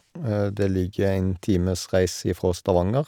Det ligger en times reise ifra Stavanger.